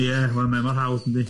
Ie, wel mae'n mor hawdd yndi?